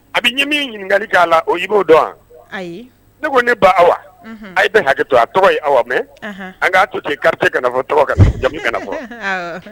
A bɛ ɲɛ ɲininkaani k'a la o i b'o dɔn ne ko ne ba a ye bɛn hakɛ to a tɔgɔ ye aw mɛn an k'a to ten kari jamu fɔ